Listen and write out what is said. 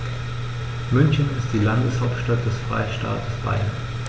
München ist die Landeshauptstadt des Freistaates Bayern.